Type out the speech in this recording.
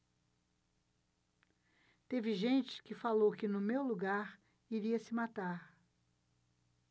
teve gente que falou que no meu lugar iria se matar